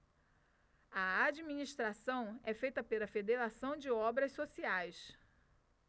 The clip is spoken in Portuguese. a administração é feita pela fos federação de obras sociais